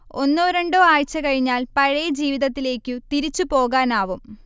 ഒന്നോ രണ്ടോ ആഴ്ച കഴിഞ്ഞാൽ പഴയ ജീവിതത്തിലേക്കു തിരിച്ചു പോകാനാവും